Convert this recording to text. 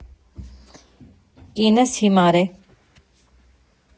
Կինս հիմար է։